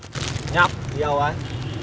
nhóc đi đâu đấy